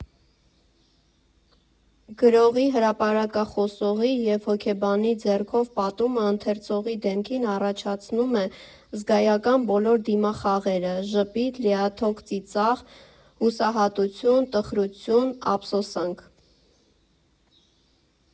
Գրողի, հրապարակախոսի և հոգեբանի ձեռքով պատումը ընթերցողի դեմքին առաջացնում է զգայական բոլոր դիմախաղերը՝ ժպիտ, լիաթոք ծիծաղ, հուսահատություն, տխրություն, ափսոսանք։